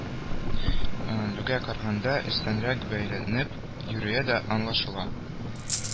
Лүгә караганда өстәнрәк бәяләнеп йөрүе дә аңлашыла